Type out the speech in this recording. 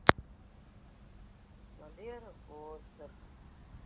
валера гостер